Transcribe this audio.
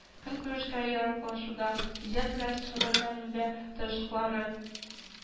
Көнкүрешкә яраклашуда, иҗат белән шөгыльләнүдә тырышлыклары